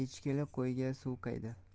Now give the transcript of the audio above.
echkili qo'yga suv qayda